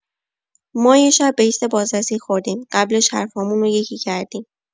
ما یه شب به ایست بازرسی خوردیم قبلش حرفامون یکی کردیم.